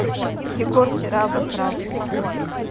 егор вчера обосрался